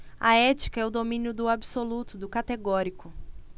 a ética é o domínio do absoluto do categórico